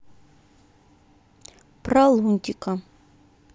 про лунтика